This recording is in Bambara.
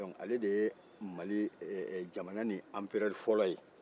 dɔnc ale de ye mali ee jamana nin anperɛ fɔlɔ ye